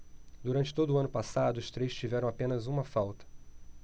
durante todo o ano passado os três tiveram apenas uma falta